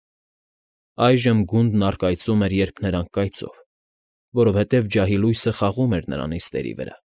Այժմ գունդն առկայծում էր երփներանգ կայծով, որովհետև ջահի լույսը խաղում էր նրա նիստերի մեջ։